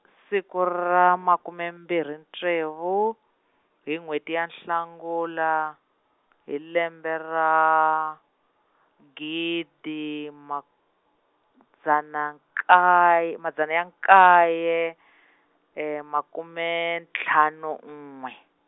siku ra makume mbirhi ntsevu, hi n'wheti ya Hlangula, hi lembe ra, gidi madzana nka- madzana ya nkaye makume ntlhanu n'we.